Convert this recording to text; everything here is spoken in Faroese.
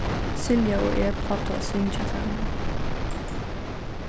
silja og eg plagdu at syngja saman